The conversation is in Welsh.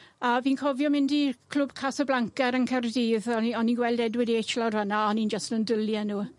a fi'n cofio mynd i Clwb Casablancar yn Cardydd o'n i o'n i'n gweld Edward Heitch lawr fana o'n i'n jyst yn dwli â nw.